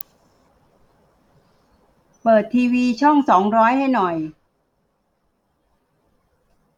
เปิดทีวีช่องสองร้อยให้หน่อย